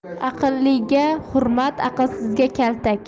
aqlliga hurmat aqlsizga kaltak